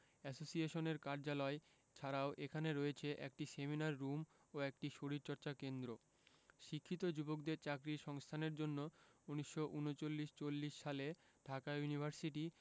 এসোসিয়েশনের কার্যালয় ছাড়াও এখানে রয়েছে একটি সেমিনার রুম ও একটি শরীরচর্চা কেন্দ্র শিক্ষিত যুবকদের চাকরির সংস্থানের জন্য ১৯৩৯ ৪০ সালে ঢাকা ইউনিভার্সিটি